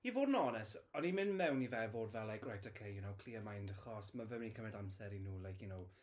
I fod yn onest, o'n ni'n mynd mewn i fe fod fel like right, okay you know, clear mind achos ma fe'n mynd i gymryd amser i nhw like, you know...